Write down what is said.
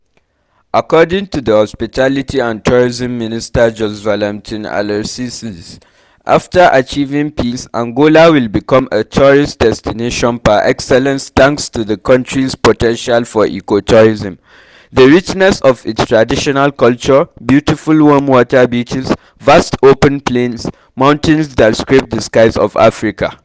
According to the Hospitality and Tourism Minister, Jorge Valentim Alicerces, “after achieving peace, Angola will become a tourist destination par excellence thanks to the country’s potential for eco-tourism, the richness of its traditional culture, beautiful warm water beaches, vast open plains, mountains that scrape the skies of Africa.